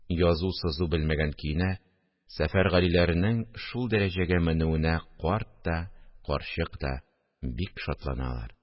Язу-сызу белмәгән көенә Сәфәргалиләренең шул дәрәҗәгә менүенә карт та, карчык та бик шатланалар